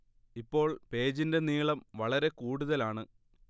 ഇപ്പോൾ പേജിന്റെ നീളം വളരെ കൂടുതൽ ആണ്